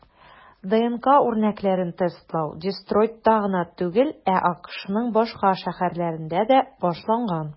ДНК үрнәкләрен тестлау Детройтта гына түгел, ә АКШның башка шәһәрләрендә дә башланган.